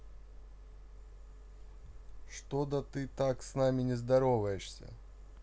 что да ты так с нами не здороваешься